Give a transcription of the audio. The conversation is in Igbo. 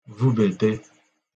vubète